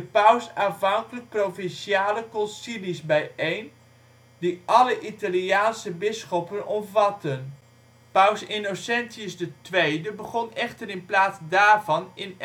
paus aanvankelijk provinciale concilies bijeen, die alle Italiaanse bisschoppen omvatten. Paus Innocentius II begon echter in plaats daarvan in